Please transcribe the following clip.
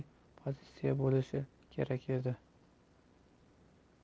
pozitsiya bo'lishi kerak edi